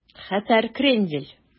Хәтәр крендель